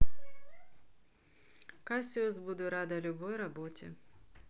кассиус буду рад любой работе